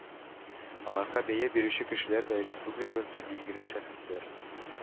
Аларга бәя бирүче кешеләр дә республикабызда билгеле шәхесләр